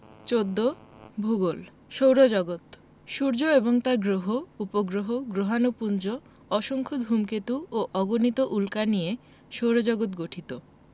১৪ ভূগোল সৌরজগৎ সূর্য এবং তার গ্রহ উপগ্রহ গ্রহাণুপুঞ্জ অসংখ্য ধুমকেতু ও অগণিত উল্কা নিয়ে সৌরজগৎ গঠিত